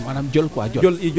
manam jol qui jol